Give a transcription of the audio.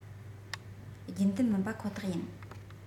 རྒྱུན ལྡན མིན པ ཁོ ཐག ཡིན